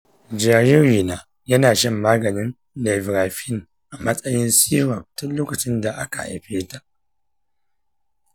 jaririna yana shan maganin nevirapine a matsayin syrup tun lokacin da aka haife ta.